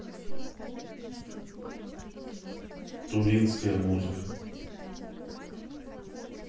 тувинская музыка